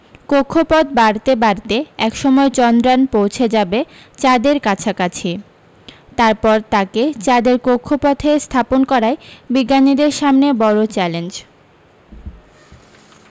কক্ষপথ বাড়তে বাড়তে একসময় চন্দ্র্যান পৌঁছে যাবে চাঁদের কাছাকাছি তার পর তাকে চাঁদের কক্ষপথে স্থাপন করাই বিজ্ঞানীদের সামনে বড় চ্যালেঞ্জ